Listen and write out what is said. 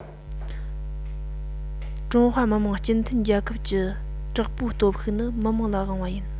ཀྲུང ཧྭ མི དམངས སྤྱི མཐུན རྒྱལ ཁབ ཀྱི དྲག པོའི སྟོབས ཤུགས ནི མི དམངས ལ དབང བ ཡིན